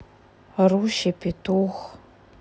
орущий петух